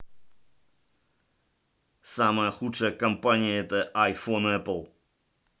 самая худшая компания это iphone apple